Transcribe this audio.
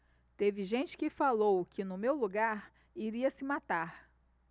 teve gente que falou que no meu lugar iria se matar